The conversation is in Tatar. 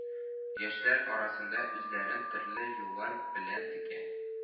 Яшьләр арасында үзләрен төрле юллар белән текә